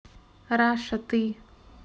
russia ты